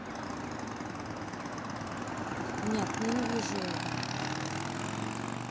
нет ненавижу это